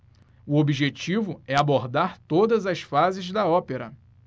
o objetivo é abordar todas as fases da ópera